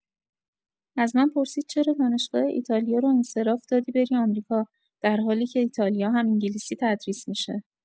از من پرسید چرا دانشگاه ایتالیا رو انصراف دادی بری آمریکا در حالی که ایتالیا هم انگلیسی تدریس می‌شه.